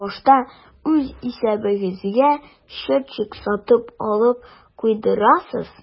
Башта үз исәбегезгә счетчик сатып алып куйдырасыз.